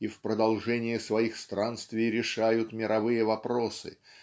и в продолжение своих странствий решают мировые вопросы